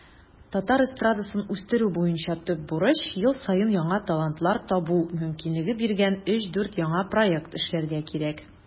Татар эстрадасын үстерү буенча төп бурыч - ел саен яңа талантлар табу мөмкинлеге биргән 3-4 яңа проект эшләргә кирәк.